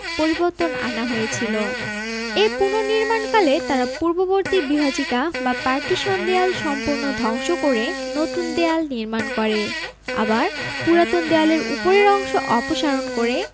পরিবর্তন আনা হয়েছিল এ পুনর্নির্মাণকালে তারা পূর্ববর্তী বিভাজিকা বা পার্টিশন দেয়াল সম্পূর্ণ ধ্বংস করে নতুন দেয়াল নির্মাণ করে আবার পুরাতন দেয়ালের উপরের অংশ অপসারণ করে